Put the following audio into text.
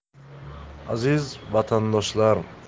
aziz vatandoshlar